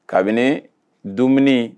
Kabini dumuni